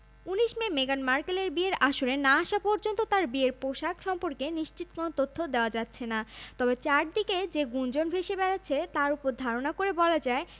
সাতটি দাতব্য প্রতিষ্ঠান বাছাই করেছেন এই সংস্থাগুলো নারীর ক্ষমতায়ন এইচআইভি পরিবেশ ও ঘরহীন মানুষদের নিয়ে কাজ করে বিয়ের ভোজ